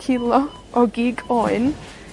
cilo o gig oen